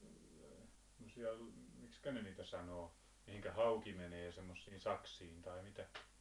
semmoisia miksikä ne niitä sanoo mihinkä hauki menee semmoisiin saksiin tai mitä